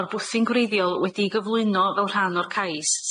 o'r bwthyn gwreiddiol wedi'i gyflwyno fel rhan o'r cais